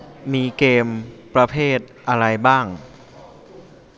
มีเกมประเภทอะไรบ้าง